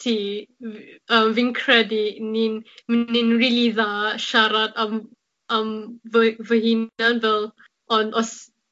ti f- yym fi'n credu ni'n m- ni'n rili dda siarad am am fy i- fy hunan fel ond os